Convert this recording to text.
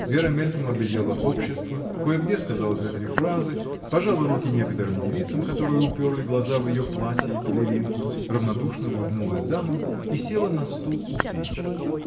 Вера мельком оглядела общество, кое-где сказала две-три фразы, пожала руки некоторым девицам, которые уперли глаза в ее платье и пелеринку, равнодушно улыбнулась дамам и села на стул у печки.